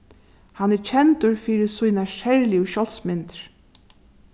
hann er kendur fyri sínar serligu sjálvsmyndir